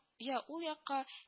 Я ул якка